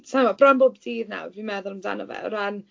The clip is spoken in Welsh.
Sa i 'mod, bron bob dydd nawr, fi'n meddwl amdano fe o ran...